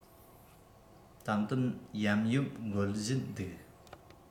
ཏན ཏན ཡམ ཡོམ འགུལ བཞིན འདུག